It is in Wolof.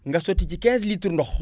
nga sotti ci 15 litres ndox